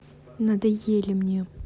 надоели мне